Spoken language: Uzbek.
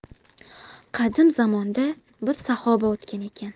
qadim zamonda bir saxoba o'tgan ekan